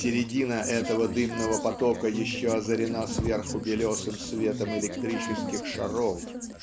Середина этого дымного потока еще озарена сверху белесым светом электрических шаров.